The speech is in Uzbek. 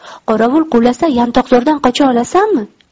qorovul quvlasa yantoqzordan qocha olasanmi